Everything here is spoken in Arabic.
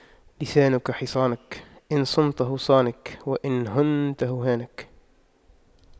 لسانك حصانك إن صنته صانك وإن هنته هانك